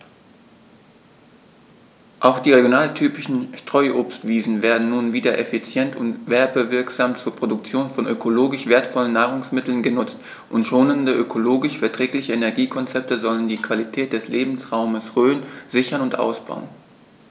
Auch die regionaltypischen Streuobstwiesen werden nun wieder effizient und werbewirksam zur Produktion von ökologisch wertvollen Nahrungsmitteln genutzt, und schonende, ökologisch verträgliche Energiekonzepte sollen die Qualität des Lebensraumes Rhön sichern und ausbauen.